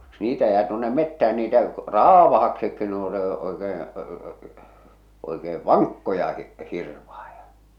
niitä jää tuonne metsään niitä raavaaksikin ne on ne oikein oikea vankkoja - hirvaita